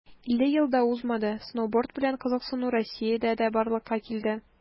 50 ел да узмады, сноуборд белән кызыксыну россиядә дә барлыкка килде.